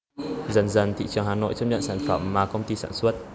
dần dần thị trường hà nội chấp nhận sản phẩm mà công ty sản xuất